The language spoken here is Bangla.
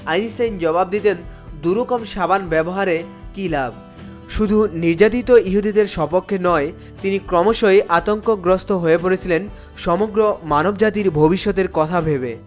আইনস্টাইন জবাব দিতেন দুরকম সাবান ব্যবহারে কি লাভ শুধু নির্যাতিত ইহুদিদের স্বপক্ষে নয় তিনি ক্রমশই আতঙ্কগ্রস্থ হয়ে পড়েছিলেন সমগ্র মানব জাতির ভবিষ্যতের কথা ভেবে